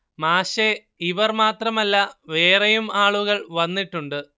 മാഷെ ഇവർ മാത്രമല്ല വേറെയും ആളുകൾ വന്നിട്ടുണ്ട്